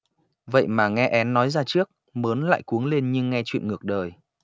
vậy mà nghe én nói ra trước mớn lại cuống lên như nghe chuyện ngược đời